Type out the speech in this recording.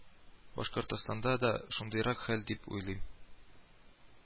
Башкортстанда да шундыйрак хәл дип уйлыйм